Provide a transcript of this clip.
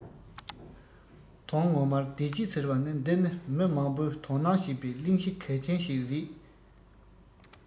དོན ངོ མར བདེ སྐྱིད ཟེར བ ནི འདི ནི མི མང པོས དོ སྣང བྱེད པའི གླེང གཞི གལ ཆེན ཞིག རེད